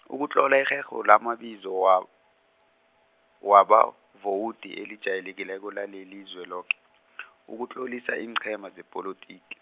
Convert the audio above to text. ukutlola irherho lamabizo wa- wabavowudi elijayelekileko la leliZweloke , ukutlolisa iinqhema zepolotiki.